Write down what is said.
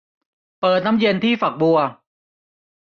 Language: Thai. เปิดน้ำเย็นที่ฝักบัว